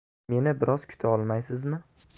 meni biroz kutaolmaysizmi